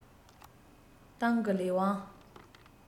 ཏང གི ལས དབང